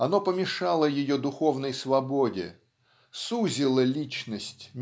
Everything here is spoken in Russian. оно помешало ее духовной свободе сузило личность